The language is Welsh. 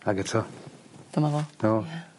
Ag eto... Dyma fo. 'na fo. Ia.